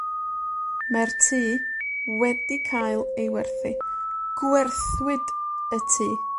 Mae'r tŷ wedi cael ei werthu. Gwerthwyd y tŷ.